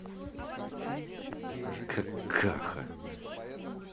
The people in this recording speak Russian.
какаха